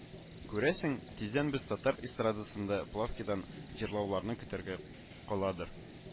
Күрәсең, тиздән без татар эстрадасында плавкидан җырлауларны көтәргә каладыр